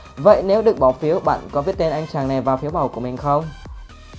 vậy nếu được bỏ phiếu bạn có viết tên anh chàng này vào phiếu bầu của mình không